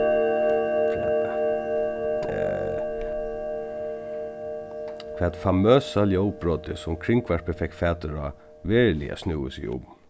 frata hvat famøsa ljóðbrotið sum kringvarpið fekk fatur á veruliga snúði seg um